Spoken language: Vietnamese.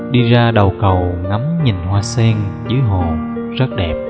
đi ra đầu cầu ngắm nhìn hoa sen dưới hồ rất đẹp